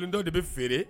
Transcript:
Dɔw de bɛ feereere